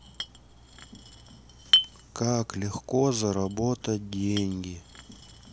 как легко заработать деньги